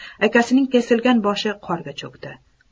akasining kesilgan boshi qorga cho'kdi